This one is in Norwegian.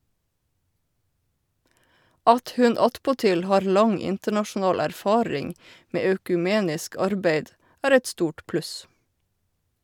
At hun attpåtil har lang internasjonal erfaring med økumenisk arbeid er et stort pluss.